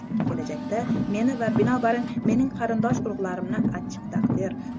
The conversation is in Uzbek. kelajakda meni va binobarin mening qarindosh urug'larimni achchiq taqdir